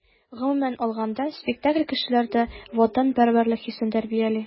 Гомумән алганда, спектакль кешеләрдә ватанпәрвәрлек хисен тәрбияли.